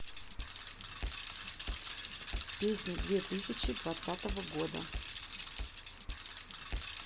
песни две тысячи двадцатого года